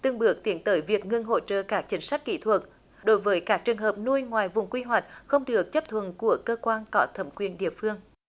từng bước tiến tới việc ngưng hỗ trợ các chính sách kỹ thuật đối với các trường hợp nuôi ngoài vùng quy hoạch không được chấp thuận của cơ quan có thẩm quyền địa phương